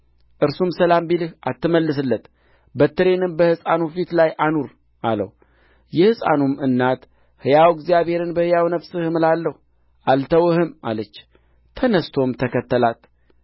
በውኑ ከጌታዬ ልጅን ለመንሁን እኔም አታታልለኝ አላልሁህምን አለች ግያዝንም ወገብህን ታጠቅ በትሬንም በእጅህ ይዘህ ሂድ ሰውም ብታገኝ ሰላም አትበል